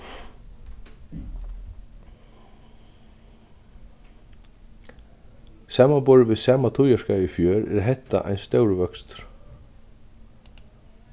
samanborið við sama tíðarskeið í fjør er hetta ein stórur vøkstur